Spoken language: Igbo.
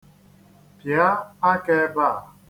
Pịa aka ebe a.